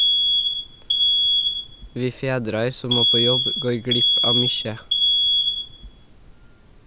Vi fedrar som må på jobb går glipp av mykje.